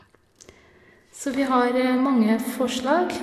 Så vi har mange forslag.